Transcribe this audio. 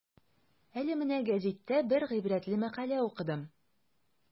Әле менә гәзиттә бер гыйбрәтле мәкалә укыдым.